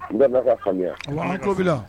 Bɛɛ bɛ ka famuya . Awɔ an kulo bi la.